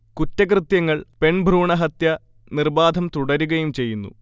കുറ്റകൃത്യങ്ങൾ, പെൺഭ്രൂണഹത്യ നിർബാധം തുടരുകയും ചെയ്യുന്നു